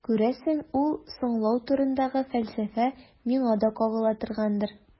Күрәсең, ул «соңлау» турындагы фәлсәфә миңа да кагыла торгандыр.